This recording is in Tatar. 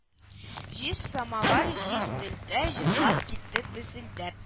Җиз самавыр җиз телдә җырлап китте безелдәп